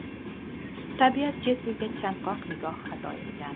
tabiat jessiga chaqnoq nigoh ato qilgan